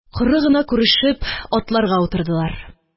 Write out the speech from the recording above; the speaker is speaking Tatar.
Коры гына күрешеп, атларга утырдылар.